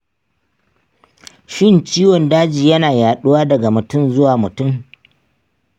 shin ciwon daji yana yaɗuwa daga mutum zuwa mutum?